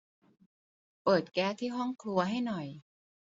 เปิดแก๊สที่ห้องครัวให้หน่อย